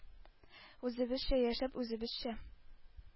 Үзебезчә яшәп, үзебезчә